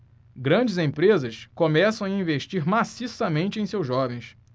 grandes empresas começam a investir maciçamente em seus jovens